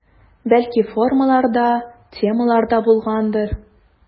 Бәлки формалар да, темалар да булгандыр.